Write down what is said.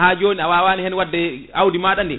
ha joni a wawani hen wadde awdi maɗa ndi